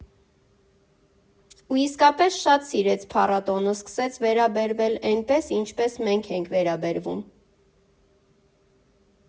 Ու իսկապես շատ սիրեց փառատոնը, սկսեց վերաբերվել էնպես, ինչպես մենք ենք վերաբերվում։